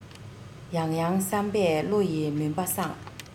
ཡང ཡང བསམ པས བློ ཡི མུན པ སངས